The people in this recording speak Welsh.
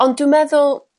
ond dwi'n meddwl